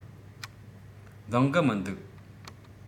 འདང གི མི འདུག